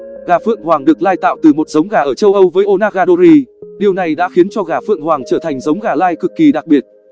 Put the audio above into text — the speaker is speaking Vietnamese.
gà phượng hoàng được lai tạo từ một giống gà ở châu âu với onagadori điều này đã khiến cho gà phượng hoàng trở thành giống gà lai cực kỳ đặc biệt